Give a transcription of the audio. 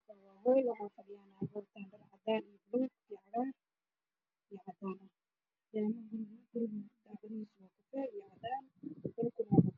Waa dad qabo dhar cad cad